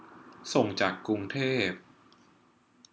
ส่งจากกรุงเทพ